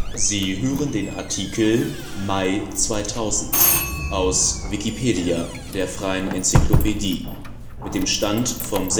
Sie hören den Artikel Mai 2000, aus Wikipedia, der freien Enzyklopädie. Mit dem Stand vom